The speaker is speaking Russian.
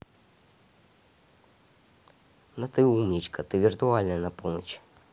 да ты умничка ты виртуальная на полночь